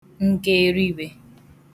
ngegheriiwe